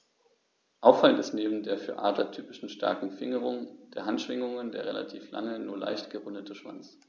Auffallend ist neben der für Adler typischen starken Fingerung der Handschwingen der relativ lange, nur leicht gerundete Schwanz.